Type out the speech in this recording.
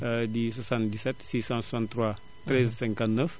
di 77 663 13 59